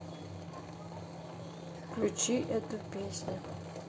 включи эту песню